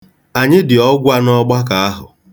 Anyị dị ọgwa n'ọgbakọ ahụ.